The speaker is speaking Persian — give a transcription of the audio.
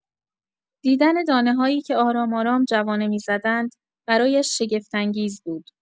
دیدن دانه‌هایی که آرام‌آرام جوانه می‌زدند، برایش شگفت‌انگیز بود.